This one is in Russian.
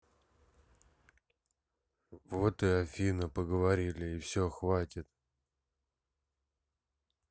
вот и афина поговорили и все хватит